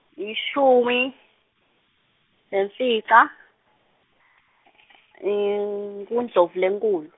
lishumi nemfica , kuNdlovulenkhulu.